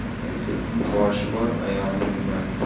erkakning boshi bor ayolning yuragi